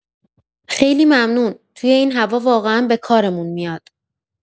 خیلی ممنون، توی این هوا واقعا به کارمون میاد.